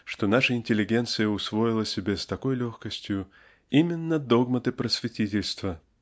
что наша интеллигенция усвоила себе с такою легкостью именно догматы просветительства?